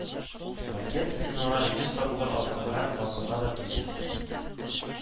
Ракета стеналары йөз тапкыр артыграк басымга да түзә